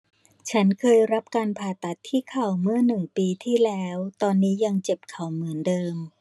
ฉันเคยรับการผ่าตัดที่เข่าเมื่อปีหนึ่งปีที่แล้วตอนนี้ยังเจ็บเข่าเหมือนเดิม